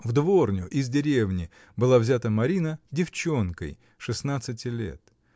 В дворню из деревни была взята Марина девчонкой шестнадцати лет.